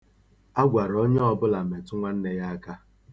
A gwara onye ọbụla metụ nwanne ya aka.